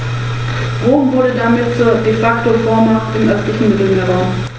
Aus diesen ergibt sich als viertes die Hinführung des Besuchers zum praktischen Naturschutz am erlebten Beispiel eines Totalreservats.